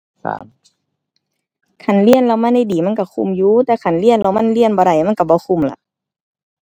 สาม คันเรียนแล้วมันได้ดีมันก็คุ้มอยู่ แต่คันเรียนแล้วมันเรียนบ่ได้มันก็บ่คุ้มล่ะ